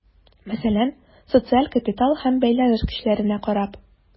Мәсәлән, социаль капитал һәм бәйләнеш көчләренә карап.